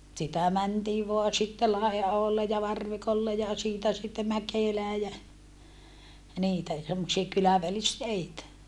sitä mentiin vain sitten Laiaholle ja Varvikolle ja siitä sitten Mäkelään ja niitä semmoisia kylävälisteitä